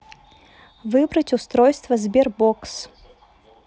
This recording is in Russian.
выбрать устройство sberbox